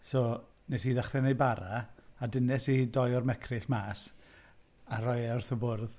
So wnes i ddechrau wneud bara, a dynais i dou o'r mecryll mas, a rhoi e wrth y bwrdd...